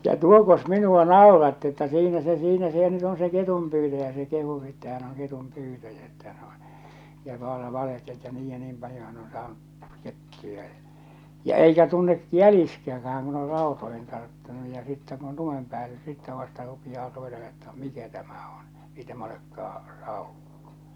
ja tuokos minua nauratti että siinä se siinä se nyt on se ketunpyytäjä se kehui että hän on ketunpyytäjä että hän on ja - valehteli että niin ja niin paljon hän on saanut kettuja ja ja eikä tunne jäljistäkään kun on rautoihin tarttunut ja sitten kun on lumen päällä sitten vasta rupeaa tuota että mikä tämä on ei tämä olekaan saukko